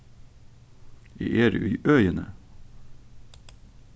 eg eri í øðini